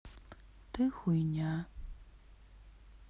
ты хуйня